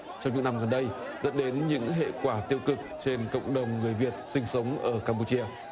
trong những năm gần đây dẫn đến những hệ quả tiêu cực trên cộng đồng người việt sinh sống ở cam pu chia